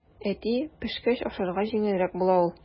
Әти, пешкәч ашарга җиңелрәк була ул.